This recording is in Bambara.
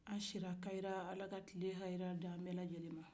an sira kayira ala ka tile kayira d'an bɛ lajɛlen ma